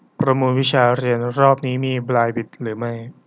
ประมูลวิชาเรียนรอบนี้มีบลายบิดไหม